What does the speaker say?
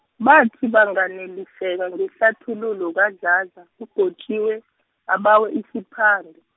bathi banganeliseka ngehlathululo kaDladla, uGotjiwe, abawe isiphande.